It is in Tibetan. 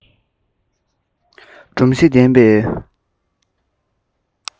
སྒྲོམ གཞི ལྡན པའི